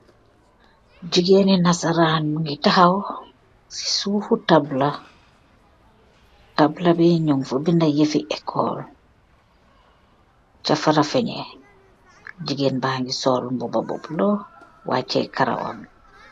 Jigeni nasaran mungi tahaw si sufu tabla, tabla bi nyun fa benda yifi ecole cha farafene. Jigen bangi sol mbuba bu blue wacheh karawam bi.